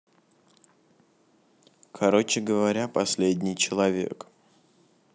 короче говоря последний человек